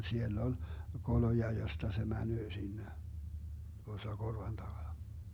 siellä on koloja josta se menee sinne tuossa korvan takana